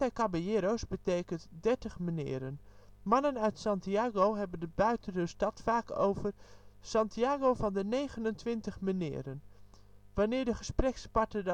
Caballeros " betekent: " dertig meneren ". Mannen uit Santiago hebben het buiten hun stad vaak over " Santiago van de 29 meneren ". Wanneer de gesprekspartner